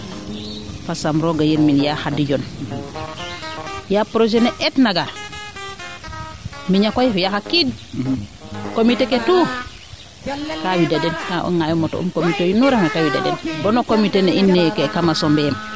fo saam rooga yirmin Ya Khady Dione yaa projet ne eet na gar miña koy a fiya xa qiid comité ke tout kaa wida den a ngaayo moto um comité nu refna te wida den boona comité in neeke kama Sombene